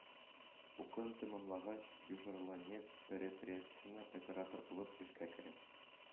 Укуын тәмамлагач, “Южарланнефть” предприятиесенә оператор булып эшкә керә